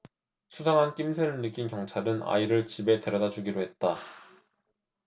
수상한 낌새를 느낀 경찰은 아이를 집에 데려다 주기로 했다